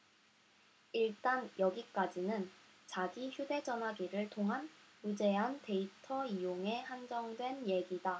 일단 여기까지는 자기 휴대전화기를 통한 무제한 데이터 이용에 한정된 얘기다